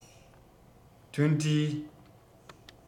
མཐུན སྒྲིལ